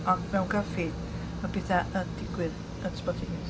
Ond mewn caffi, ma' petha yn digwydd yn spontaneous.